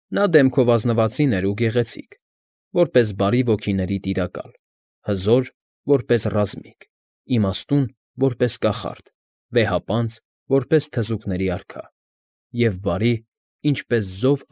Նա դեմքով ազնվածին էր ու գեղեցիկ, որպես բարի ոգիների տիրակալ, հզոր՝ որպես ռազմիկ, իմաստուն՝ որպես կախարդ, վեհապանծ՝ որպես թզուկների արքա, և բարի, ինչպես զով։